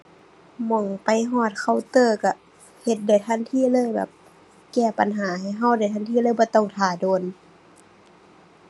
หม้องไปฮอดเคาน์เตอร์ก็เฮ็ดได้ทันทีเลยแบบ แก้ปัญหาให้ก็ได้ทันทีเลย บ่ต้องท่าโดน